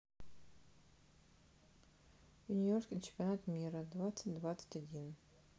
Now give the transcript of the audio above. юниорский чемпионат мира двадцать двадцать один